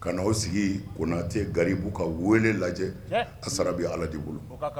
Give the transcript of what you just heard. Kaaw sigi ko' tɛ garibu ka weele lajɛ a sarabi ala de bolo